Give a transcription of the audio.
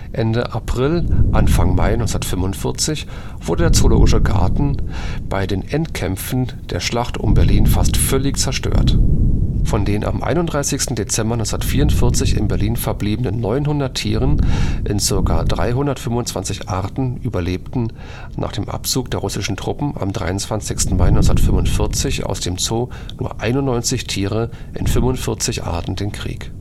Ende April/Anfang Mai 1945 wurde der Zoologische Garten bei den Endkämpfen der Schlacht um Berlin fast völlig zerstört. Von den am 31. Dezember 1944 in Berlin verbliebenen 900 Tieren in ca. 325 Arten überlebten – nach dem Abzug der russischen Truppen am 23. Mai 1945 aus dem Zoo – nur 91 Tiere in 45 Arten den Krieg